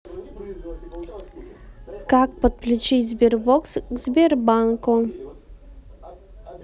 как подключить sberbox к сбербанку